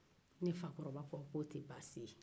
ne fakɔrɔba ko ɔɔ ko tɛ basi ye